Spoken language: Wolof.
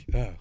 waaw